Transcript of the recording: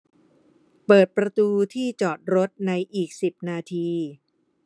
เปิดประตูที่จอดรถในอีกสิบนาที